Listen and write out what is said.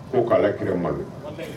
O k' kira ma